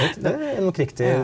det er nok riktig.